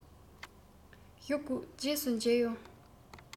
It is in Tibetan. བཞུགས དགོས རྗེས སུ མཇལ ཡོང